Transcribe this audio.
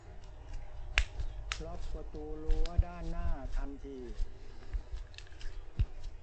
ล็อกประตู้รั้วด้านหน้าทันที